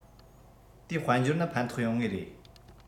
དེའི དཔལ འབྱོར ན ཕན ཐོགས ཡོང ངེས རེད